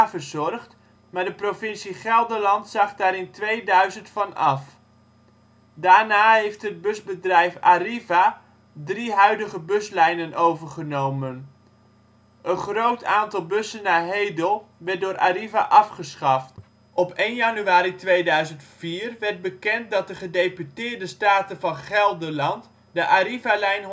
verzorgd, maar de provincie Gelderland zag daar in 2000 van af. Daarna heeft het busbedrijf Arriva drie huidige buslijnen overgenomen. Een groot aantal bussen naar Hedel werd door Arriva afgeschaft. Op 1 januari 2004 werd bekend dat de Gedeputeerde Staten van Gelderland de Arriva-lijn